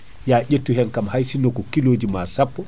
ha ƴettu hen kam hay sinno ko kiloji ma sappo